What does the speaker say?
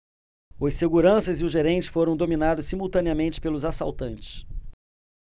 os seguranças e o gerente foram dominados simultaneamente pelos assaltantes